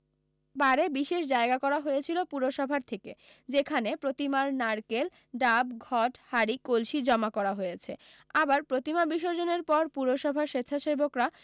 পাড়ে বিশেষ জায়গা করা হয়েছিলো পুরসভার থেকে যেখানে প্রতিমার নারকেল ডাব ঘট হাঁড়ি কলসি জমা করা হয়েছে আবার প্রতিমা বিসর্জনের পর পুরসভার স্বেচ্ছাসেবকরা